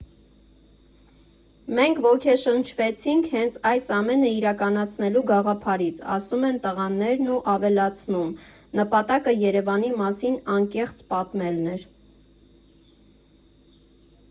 Մենք ոգեշնչվեցինք հենց այս ամենը իրականացնելու գաղափարից,֊ ասում են տղաներն ու ավելացնում,֊ Նպատակը Երևանի մասին անկեղծ պատմելն էր։